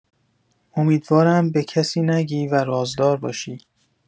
امیدوارم به کسی نگی و رازدار باشی.